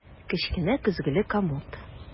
Кечкенә көзгеле комод.